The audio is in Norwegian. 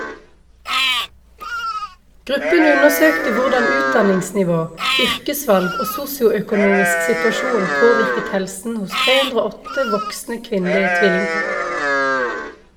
Gruppen undersøkte hvordan utdanningsnivå, yrkesvalg og sosioøkonomisk situasjon påvirket helsen hos 308 voksne kvinnelige tvillingpar.